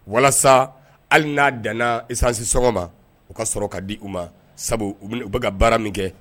Walasa hali n'a dansansi sɔgɔma o ka sɔrɔ k kaa di u ma sabu u bɛka ka baara min kɛ